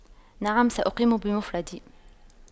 نعم سأقيم بمفردي